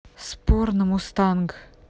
спор на мустанг